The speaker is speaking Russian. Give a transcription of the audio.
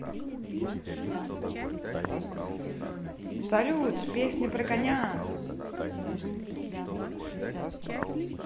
салют песня про коня